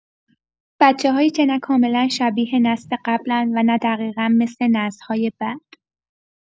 بچه‌هایی که نه کاملا شبیه نسل قبلن و نه دقیقا مثل نسل‌های بعد.